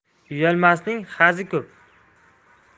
uyalmasning hazi ko'p